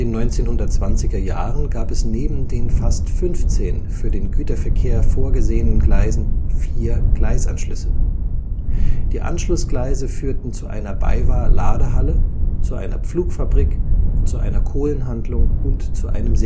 1920er Jahren gab es neben den fast 15 für den Güterverkehr vorgesehenen Gleisen vier Gleisanschlüsse. Die Anschlussgleise führten zu einer BayWa-Ladehalle, zu einer Pflugfabrik, zu einer Kohlenhandlung und zu einem